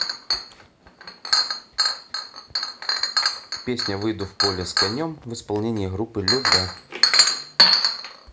песня выйду в поле с конем в исполнении группы любэ